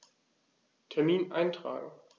Termin eintragen